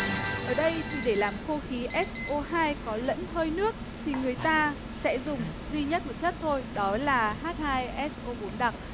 ở đây thì để làm khô khí ét ô hai có lẫn hơi nước thì người ta sẽ dùng duy nhất một chất thôi đó là hát hai ét ô bốn đặc